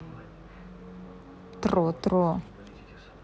тро тро